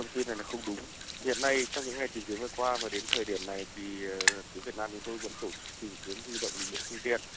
thông tin là không đúng hiện nay trong những ngày tìm kiếm vừa qua và đến thời điểm này thì phía việt nam chúng tôi vẫn tổ chức tìm kiếm huy động phương tiện